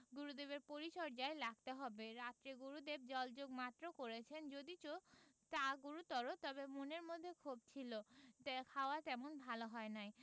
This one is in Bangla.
গুরুদেবের পরিচর্যায় লাগতে হবে রাত্রে গুরুদেব জলযোগ মাত্র করেছেন যদিচ তা গুরুতর তবু মনের মধ্যে ক্ষোভ ছিল খাওয়া তেমন ভাল হয় নাই